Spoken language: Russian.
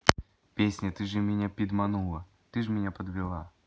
песня ты же меня пидманула ты ж меня подвела